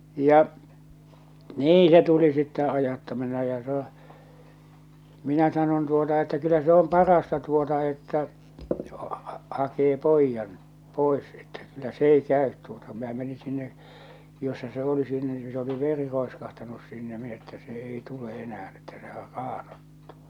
ja niin se tuli sitten ajattaminen ja sanoin minä sanoin tuota että kyllä se on parasta tuota että hakee pojan pois että kyllä se ei käy tuota minä menin sinne jossa se oli sinne niin se oli veri roiskahtanut sinne minä että se ei tule enää että sehän raanoittui